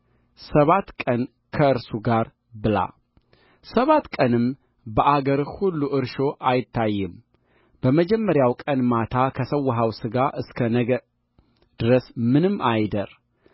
ሰባት ቀንም በአገርህ ሁሉ እርሾ አይታይም በመጀመሪያው ቀን ማታ ከሠዋኸው ሥጋ እስከ ነገ ድረስ ምንም አይደር